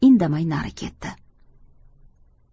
indamay nari ketdi